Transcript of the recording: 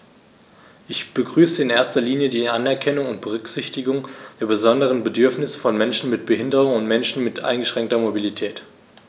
Ich begrüße in erster Linie die Anerkennung und Berücksichtigung der besonderen Bedürfnisse von Menschen mit Behinderung und Menschen mit eingeschränkter Mobilität.